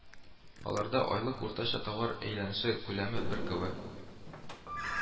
Аларда айлык уртача товар әйләнеше күләме бер кэвэ